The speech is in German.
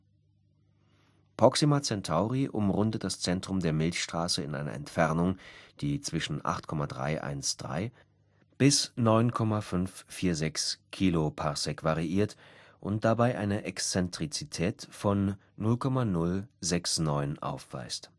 Proxima Centauri umrundet das Zentrum der Milchstraße in einer Entfernung, die zwischen 8,313 bis 9,546 kpc variiert und dabei eine Exzentrizität von 0,069 aufweist